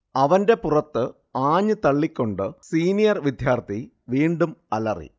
അവന്റെ പുറത്ത് ആഞ്ഞു തള്ളിക്കൊണ്ടു സീനിയർ വിദ്യാർത്ഥി വീണ്ടും അലറി